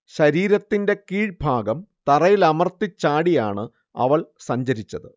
ശരീരത്തിന്റെ കീഴ്ഭാഗം തറയിലമർത്തി ചാടിച്ചാടിയാണ് അവൾ സഞ്ചരിച്ചത്